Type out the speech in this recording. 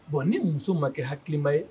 Bon ni muso ma kɛ hakiliba ye